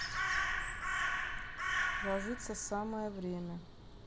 ложиться самое вовремя